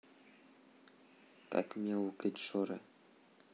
как мяукать жора